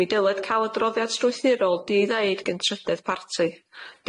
Mi dylid ca'l y droddiad strwythurol di-ddeud gyntrydydd parti.